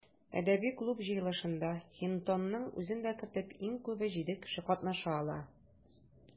Әдәби клуб җыелышында, Хинтонның үзен дә кертеп, иң күбе җиде кеше катнаша ала.